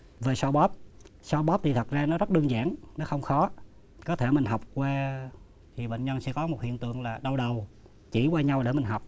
về xoa bóp xoa bóp thì thật ra nó rất đơn giản nó không khó có thể mình học qua thì bệnh nhân sẽ có một hiện tượng là đau đầu chỉ qua nhau để mình học